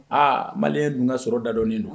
Aa maliyɛn dun ka sɔrɔ da dɔnnen don